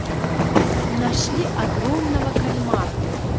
нашли огромного кальмара